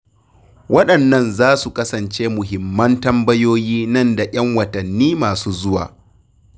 Waɗannan za su kasance muhimman tambayoyi nan da 'yan watanni masu zuwa.